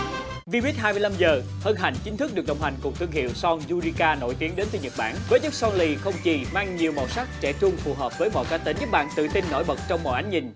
ti vít hai mươi lăm giờ hân hạnh chính thức được đồng hành cùng thương hiệu son du li ca nổi tiếng đến từ nhật bản với chất son lì không chì mang nhiều màu sắc trẻ trung phù hợp với mọi cá tính giúp bạn tự tin nổi bật trong mọi ánh nhìn